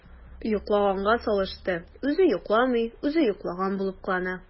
“йоклаганга салышты” – үзе йокламый, үзе йоклаган булып кылана.